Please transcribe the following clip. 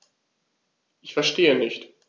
Ich verstehe nicht.